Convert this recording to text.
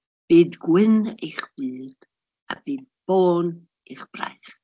Bydd gwyn eich byd a bydd bôn i'ch braich.